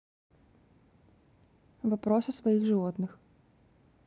вопрос о своих животных